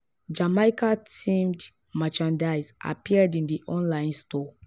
Jamaica-themed merchandise appeared in the online store